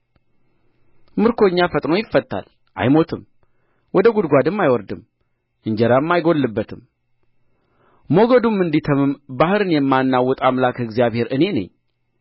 ምርኮኛ ፈጥኖ ይፈታል አይሞትም ወደ ጕድጓድም አይወርድም እንጀራም አይጐድልበትም ሞገዱም እንዲተምም ባሕርን የማናውጥ አምላክህ እግዚአብሔር እኔ ነኝ